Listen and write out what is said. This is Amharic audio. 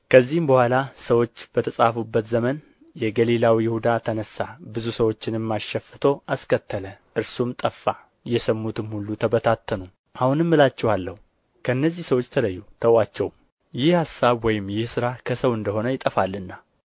ከዚህ በኋላ ሰዎች በተጻፉበት ዘመን የገሊላው ይሁዳ ተነሣ ብዙ ሰዎችንም አሸፍቶ አስከተለ እርሱም ጠፋ የሰሙትም ሁሉ ተበታተኑ አሁንም እላችኋለሁ ከእነዚህ ሰዎች ተለዩ ተዉአቸውም ይህ አሳብ ወይም ይህ ሥራ ከሰው እንደ ሆነ ይጠፋልና